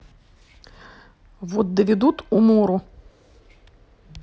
вот доведут умору